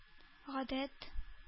Гадәт